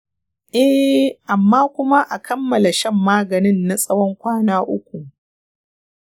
ee, amma kuma a kammala shan maganin na tsawon kwana uku.